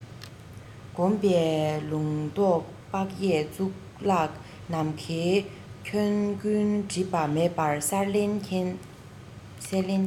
བསྒོམ པས ལུང རྟོགས དཔག ཡས གཙུག ལག ནམ མཁའི ཁྱོན ཀུན སྒྲིབ པ མེད པར གསལ ལེར མཁྱེན